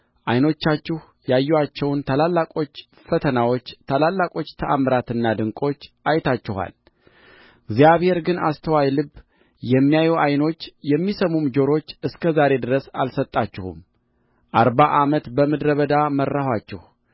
ዓይኖቻችሁ ያዩአቸውን ታላላቆች ፈተናዎች ታላላቆች ተአምራትና ድንቆች አይታችኋል እግዚአብሔር ግን አስተዋይ ልብ የሚያዩ ዓይኖች የሚሰሙም ጆሮች እስከ ዛሬ ድረስ አልሰጣችሁም አርባ ዓመት በምድረ በዳ መራኋችሁ